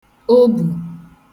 obù